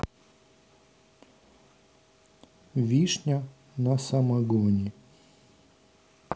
вишня на самогоне